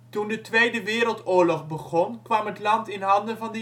Toen de Tweede Wereldoorlog begon kwam het land in handen van